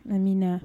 Amiina